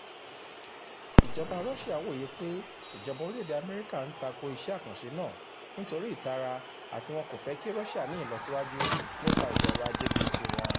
Ìjọba Russia wòye pé ìjọba orílẹ̀èdè Amẹ́ríkà ń tako iṣẹ́ àkànṣè náà nítorí ìtara àti wọn kò fẹ́ kí Russia ní ìlọsíwájú nípa ètò ọrọ̀ ajé bíi tiwọn.